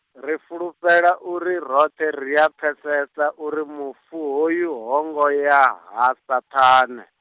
ri fulufhela uri roṱhe ria pfesesa uri mufu hoyu ho ngo ya ha Saṱhane.